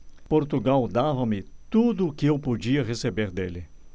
portugal dava-me tudo o que eu podia receber dele